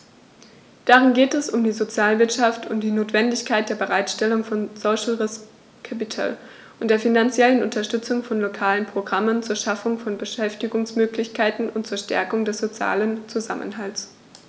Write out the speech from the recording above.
Darin geht es um die Sozialwirtschaft und die Notwendigkeit der Bereitstellung von "social risk capital" und der finanziellen Unterstützung von lokalen Programmen zur Schaffung von Beschäftigungsmöglichkeiten und zur Stärkung des sozialen Zusammenhalts.